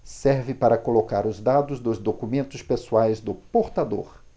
serve para colocar os dados dos documentos pessoais do portador